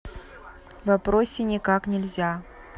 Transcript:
вопросе никак нельзя